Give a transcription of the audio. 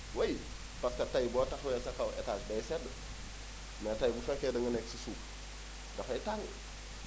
oui parce tey boo taxawee sa kaw étage day sedd mais tey bu fekkee da nga nekk si suuf dafay tàng